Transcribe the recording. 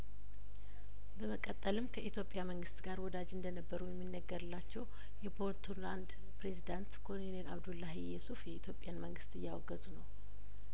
በመቀጠልም ከኢትዮጵያ መንግስት ጋር ወዳጅ እንደነበሩ የሚነገርላቸው የፖቱ ላንድ ፕሬዚዳንት ኮሎኔል አብዱላሂ የሱፍ የኢትዮጵያን መንግስት እያወገዙ ነው